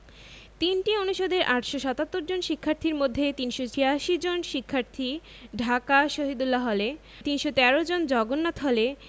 ৩টি অনুষদের ৮৭৭ জন শিক্ষার্থীর মধ্যে ৩৮৬ জন ঢাকা শহীদুল্লাহ হলে ৩১৩ জন জগন্নাথ হলে